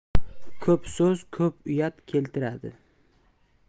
ko'p so'z ko'p uyat keltiradi